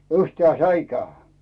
yhtään en säikähdä